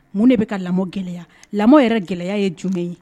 Mun de bɛka ka lamɔ gɛlɛya lamɔ yɛrɛ gɛlɛya ye jumɛn ye